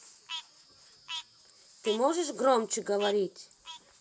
ты можешь громче говорить